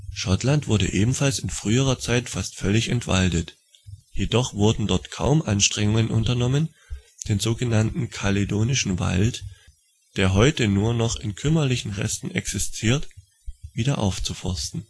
Schottland wurde ebenfalls in früherer Zeit fast völlig entwaldet, jedoch wurden dort kaum Anstrengungen unternommen den so genannten Kaledonischen Wald, der heute nur noch in kümmerlichen Resten existiert, wiederaufzuforsten